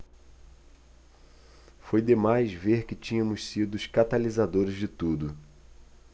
foi demais ver que tínhamos sido os catalisadores de tudo